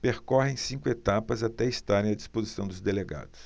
percorrem cinco etapas até estarem à disposição dos delegados